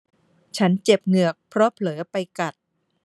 ฉันเจ็บเหงือกเพราะเผลอไปกัด